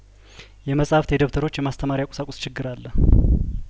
የመጻሀፍት የደብተሮች የማስተማሪያቁሳቁስ ችግር አለ